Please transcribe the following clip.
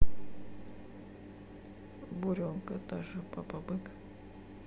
буренка даша папа бык